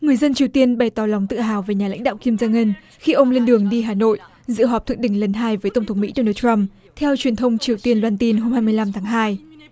người dân triều tiên bày tỏ lòng tự hào về nhà lãnh đạo kim giăng ưn khi ông lên đường đi hà nội dự họp thượng đỉnh lần hai với tổng thống mỹ đô nờ trăm theo truyền thông triều tiên loan tin hôm hai mươi lăm tháng hai